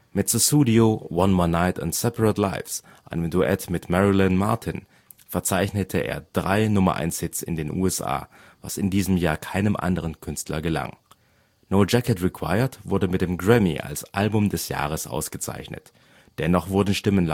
Mit Sussudio, One More Night und Separate Lives, einem Duett mit Marilyn Martin, verzeichnete er drei Nummer-Eins-Hits in den USA, was in diesem Jahr keinem anderen Künstler gelang. No Jacket Required wurde mit dem Grammy als Album des Jahres ausgezeichnet. Dennoch wurden Stimmen